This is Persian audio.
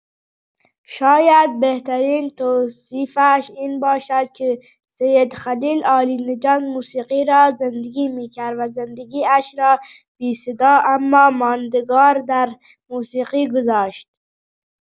شاید بهترین توصیفش این باشد که سید خلیل عالی‌نژاد، موسیقی را زندگی می‌کرد و زندگی‌اش را بی‌صدا، اما ماندگار، در موسیقی گذاشت.